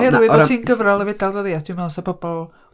Oherwydd bod hi'n gyfrol y fedal ryddiaith, dwi'n meddwl 'sa bobl...